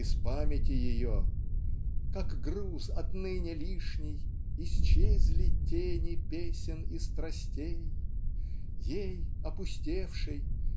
из памяти ее, "как груз отныне лишний, исчезли тени песен и страстей, ей опустевшей